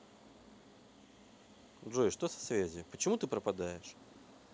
джой что со связью почему ты пропадаешь